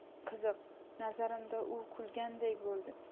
qiziq nazarimda u kulgandek bo'ldi